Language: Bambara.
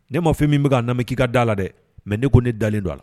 Ne mafin min bɛ' nami k'i ka da la dɛ mɛ ne ko ne dalen don la